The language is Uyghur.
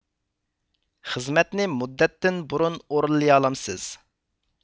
خىزمەتنى مۇددەتتىن بۇرۇن ئورۇنلىيالامسىز